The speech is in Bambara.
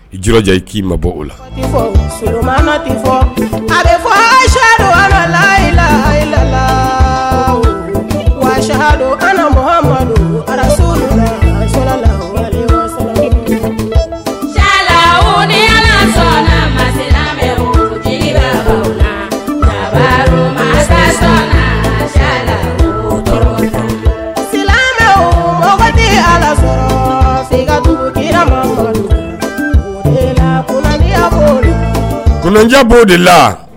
I jɔjɛ i k'i ma bɔ o la a bɛ sadulala sa mɔgɔlatigi alakuya kolonjɛbo de la